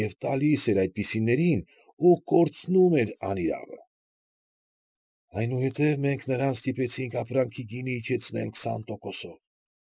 Եվ տալիս էր այդպիսիներին ու կորցնում էր անիրավը… Այնուհետև մենք նրան ստիպեցինք ապրանքի գինը իջեցնել քսան տոկոսով։